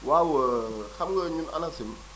waaw xam nga ñun ANACIM